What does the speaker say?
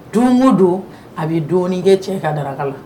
Don o don a bɛ dɔɔnin kɛ cɛ ka daraka la